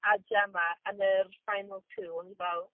A Gemma yn yr final two, o'n i fel...